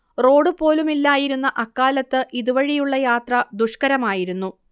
road പോലുമില്ലായിരുന്ന അക്കാലത്ത് ഇതുവഴിയുള്ള യാത്ര ദുഷ്കരമായിരുന്നു